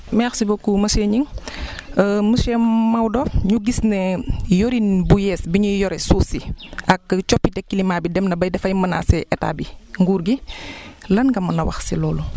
merci beaucoup monsieur Ngingue monsieur Maodo ñu gis ne yorin bu yees bi ñu yore suuf si ak coppite climat bi dem na ba dafay menacer état bi nguur gi lan nga mën a wax si loolu